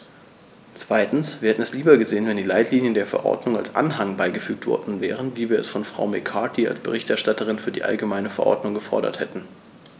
Zweitens: Wir hätten es lieber gesehen, wenn die Leitlinien der Verordnung als Anhang beigefügt worden wären, wie wir es von Frau McCarthy als Berichterstatterin für die allgemeine Verordnung gefordert hatten.